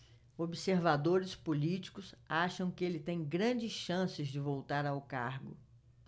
observadores políticos acham que ele tem grandes chances de voltar ao cargo